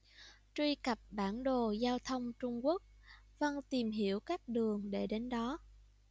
truy cập bản đồ giao thông trung quốc vân tìm hiểu các đường để đến đó